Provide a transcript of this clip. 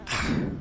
Ah!!